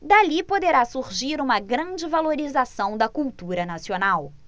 dali poderá surgir uma grande valorização da cultura nacional